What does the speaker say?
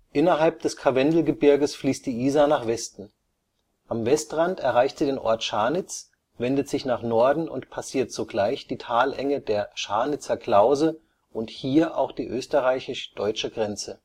Innerhalb des Karwendelgebirges fließt die Isar nach Westen. Am Westrand erreicht sie den Ort Scharnitz, wendet sich nach Norden und passiert sogleich die Talenge der Scharnitzer Klause und hier auch die österreichisch-deutsche Grenze